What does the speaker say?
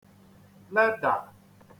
ledà